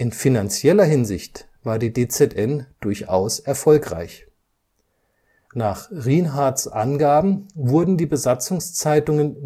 finanzieller Hinsicht war die DZN durchaus erfolgreich. Nach Rienhardts Angaben wurden die Besatzungszeitungen